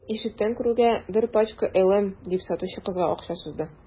Ишектән керүгә: – Бер пачка «LM»,– дип, сатучы кызга акча сузды.